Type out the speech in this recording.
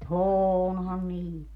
onhan niitä